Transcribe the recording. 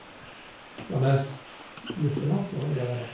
Skal jeg slutte nå, så gjør jeg det.